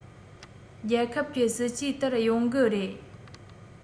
རྒྱལ ཁབ ཀྱི སྲིད ཇུས ལྟར ཡོང གི རེད